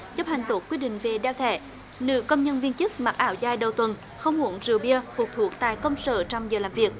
chấp hành tốt quy định về đeo thẻ nữ công nhân viên chức mặc áo dài đầu tuần không uống rượu bia hút thuốc tại công sở trong giờ làm việc